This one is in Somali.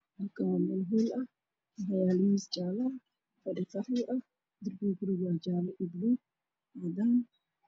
Halkan waa mel hool ah waxyalo miis jale ah fadhi qaxwi ah dirbiga guriga waa jale io baluug io cadan